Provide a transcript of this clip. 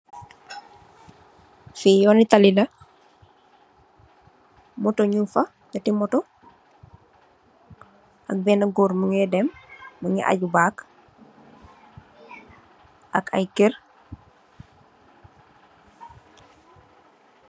Fi yoon ni taali la, moto mung fa, nëtti moto ak benn gòor mu gè dem mungi aj bag ak ay kër.